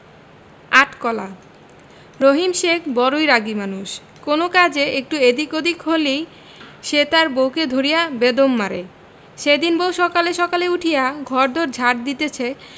আট কলা রহিম শেখ বড়ই রাগী মানুষ কোনো কাজে একটু এদিক ওদিক হলেই সে তার বউকে ধরিয়া বেদম মারে সেদিন বউ সকালে সকালে উঠিয়া ঘর দোর ঝাট দিতেছে